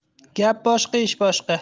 gap boshqa ish boshqa